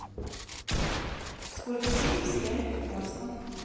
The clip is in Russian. сколько серий в сериале притворство